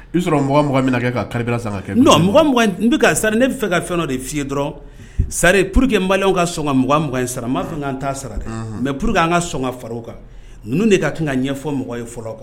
I bɛ sɔrɔ mugan mugan bɛna kɛ ka carburant san ka kɛ non mugan mugan bɛ ka C'est à dire ne b'a fɛ ka fɛn dɔ de fɔ i ye dɔrɔn pour que malien ka sɔn ka mugan mugan in sara, n ma fɔ k'an t'a sara mais pour que an ka sɔn ka fara o kan ninnu de ka kan ka ɲɛfɔ mɔgɔ ye fɔlɔ quoi